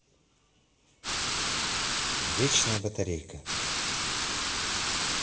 вечная батарейка